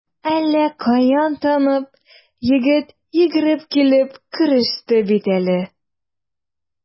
Әллә каян танып, егет йөгереп килеп күреште бит әле.